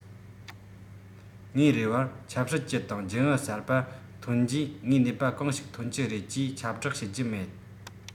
ངའི རེ བར ཆབ སྲིད ཅུད དང རྒྱུན ཨུད གསར པ ཐོན རྗེས ངས ནུས པ གང ཞིག ཐོན གྱི རེད ཅེས ཁྱབ བསྒྲགས བྱེད རྒྱུ མེད